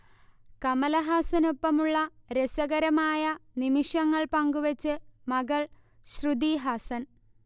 കമലഹാസനൊപ്പമുള്ള രസകരമായ നിമിഷങ്ങൾ പങ്കുവെച്ച് മകൾ ശ്രുതി ഹസൻ